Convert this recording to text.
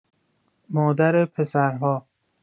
مادر پسرها